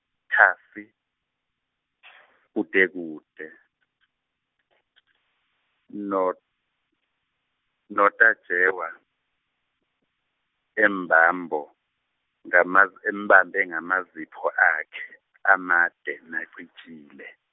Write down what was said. thasi kudekude, no- noTajewa, embambo, ngama- embambe ngamazipho akhe amade nacijile.